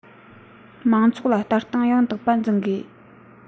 མང ཚོགས ལ ལྟ སྟངས ཡང དག པ འཛིན དགོས